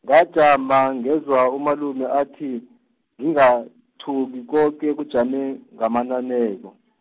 ngajama ngezwa umalume athi, ngingathuki koke kujame ngamananeko .